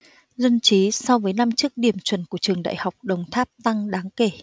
dân trí so với năm trước điểm chuẩn của trường đại học đồng tháp tăng đáng kể